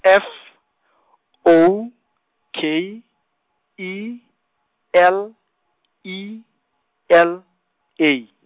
F , O, K, E, L, E, L, A.